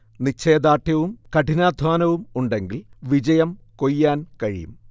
നിശ്ചയ ദാർഢ്യവും കഠിനാധ്വാനവും ഉണ്ടെങ്കിൽ വിജയം കൊയ്യാൻ കഴിയും